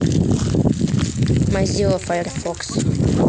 мазила файрфокс